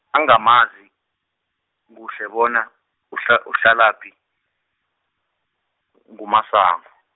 angamazi, kuhle bona, uhla- uhlalaphi, n- nguMasango.